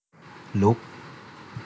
ลุก